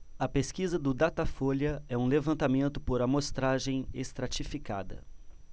a pesquisa do datafolha é um levantamento por amostragem estratificada